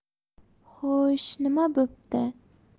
xo'sh nima bo'pti